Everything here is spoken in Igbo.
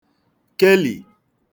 kelì